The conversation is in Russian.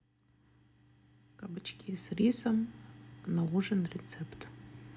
кабачки с рисом на ужин рецепт